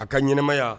A ka ɲɛnɛmaya